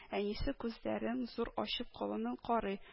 Әнисе күзләрен зур ачып колынын карый